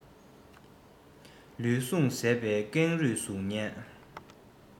ལུས ཟུངས ཟད པའི ཀེང རུས གཟུགས བརྙན